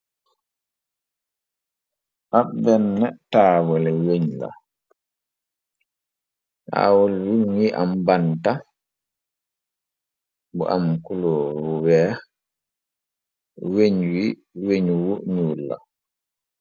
ab benn taawale weñ la awal yu ngi am banta bu am kulóoru weex weñwu ñuur la.